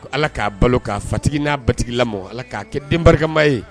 Ala k'a balo k'a fatigi n'a batigi lamɔn Ala k'a kɛ den barikama ye.